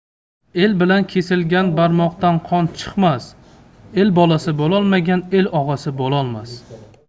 el bilan kesilgan barmoqdan qon chiqmas el bolasi bo'lolmagan el og'asi bo'lolmas